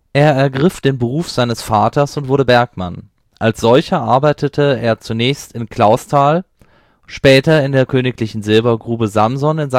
ergriff den Beruf seines Vaters und wurde Bergmann. Als solcher arbeitete er zunächst in Clausthal, später in der königlichen Silbergrube Samson